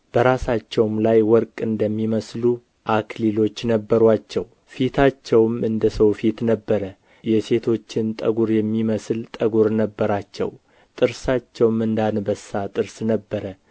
በራሳቸውም ላይ ወርቅ እንደሚመስሉ አክሊሎች ነበሩአቸው ፊታቸውም እንደ ሰው ፊት ነበረ የሴቶችን ጠጕር የሚመስል ጠጕር ነበራቸው ጥርሳቸውም እንደ አንበሳ ጥርስ ነበረ